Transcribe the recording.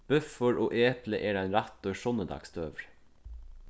búffur og epli er ein rættur sunnudagsdøgurði